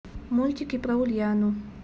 мультики про ульяну